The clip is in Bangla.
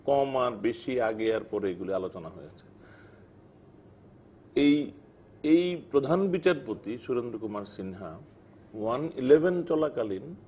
কম আর বেশি আগে আর পরে এগুলো আলোচনা হয়েছে এই এই প্রধান বিচারপতি সুরেন্দ্র কুমার সিনহা ওয়ান ইলেভেন চলাকালীন